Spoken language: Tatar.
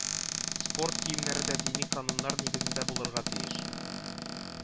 Спорт киемнәре дә дини кануннар нигезендә булырга тиеш